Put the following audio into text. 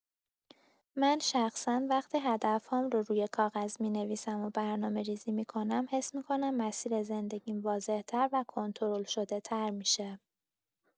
من شخصا وقتی هدف‌هام رو روی کاغذ می‌نویسم و برنامه‌ریزی می‌کنم، حس می‌کنم مسیر زندگیم واضح‌تر و کنترل‌شده‌تر می‌شه.